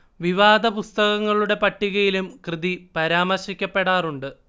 വിവാദ പുസ്തകങ്ങളുടെ പട്ടികയിലും കൃതി പരാമർശിക്കപ്പെടാറുണ്ട്